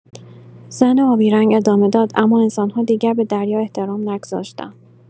زن آبی‌رنگ ادامه داد: «اما انسان‌ها دیگر به دریا احترام نگذاشتند.»